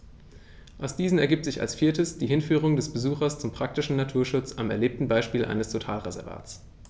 Aus diesen ergibt sich als viertes die Hinführung des Besuchers zum praktischen Naturschutz am erlebten Beispiel eines Totalreservats.